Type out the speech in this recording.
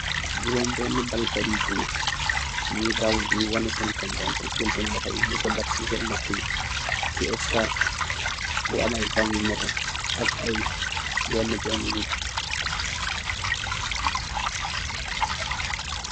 Jurom benni bal kat yu gór ñi daw di waneh sèèn kontanteh jél sèèn loxoyi di dat ci sèèn nopuh yi ci estat bu am ay bang yu netteh ak ay benna benna nit.